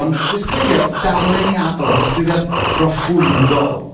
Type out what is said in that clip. ond disgrifiad darluniadol, disgrifiad proffwydol.